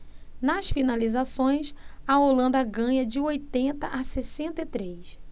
nas finalizações a holanda ganha de oitenta a sessenta e três